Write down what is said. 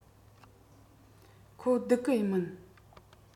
ཁོ བསྡུག གི མིན